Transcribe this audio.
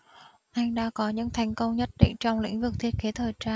anh đã có những thành công nhất định trong lĩnh vực thiết kế thời trang